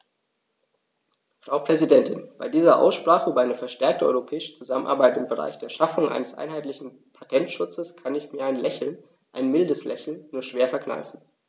Frau Präsidentin, bei dieser Aussprache über eine verstärkte europäische Zusammenarbeit im Bereich der Schaffung eines einheitlichen Patentschutzes kann ich mir ein Lächeln - ein mildes Lächeln - nur schwer verkneifen.